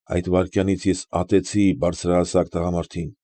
Այդ վայրկյանից ես ատեցի բարձրահասակ ադամորդին։